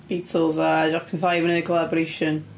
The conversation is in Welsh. Beatles a Jackson 5 yn wneud collaboration.